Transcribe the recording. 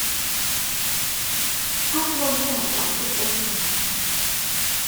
พัดลมส่ายสามสิบองศา